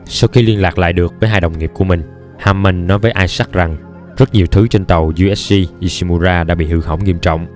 sau khi liên lạc lại được với đồng nghiệp của mình hammond nói với isaac rằng rất nhiều thứ trên tàu usg ishimura đã bị hư hỏng nghiêm trọng